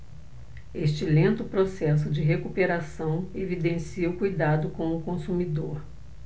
este lento processo de recuperação evidencia o cuidado com o consumidor